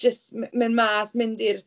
Jyst m- mynd mas, mynd i'r...